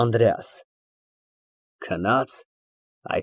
ԱՆԴՐԵԱՍ ֊ Քնա՞ծ։